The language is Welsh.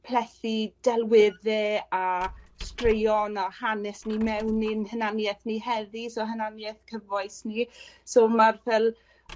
plethu delwedde a straeon a hanes ni mewn i'n hunanieth ni heddi so hunanieth cyfoes ni. Fo ma'r fel